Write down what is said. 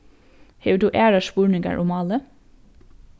hevur tú aðrar spurningar um málið